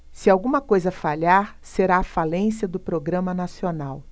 se alguma coisa falhar será a falência do programa nacional